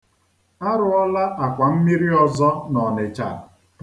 A rụọla akwammiri ọzọ n'Ọnịcha.